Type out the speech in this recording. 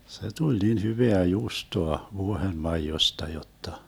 se tuli niin hyvää juustoa vuohenmaidosta jotta